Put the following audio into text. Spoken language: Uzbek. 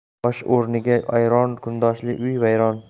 osh o'rniga ayron kundoshli uy vayron